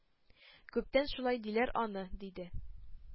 -күптән шулай диләр аны,- диде.